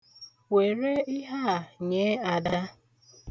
Were ihe a nyee Ada.